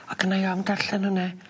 O' gynnai ofn darllen hwnna.